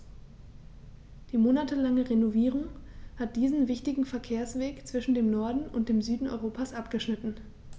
Die monatelange Renovierung hat diesen wichtigen Verkehrsweg zwischen dem Norden und dem Süden Europas abgeschnitten.